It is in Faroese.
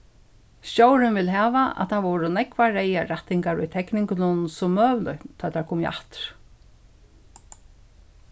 stjórin vil hava at tað vóru so nógvar reyðar rættingar í tekningunum sum møguligt tá tær komu aftur